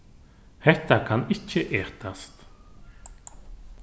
hetta kann ikki etast